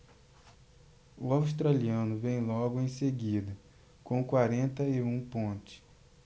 o australiano vem logo em seguida com quarenta e um pontos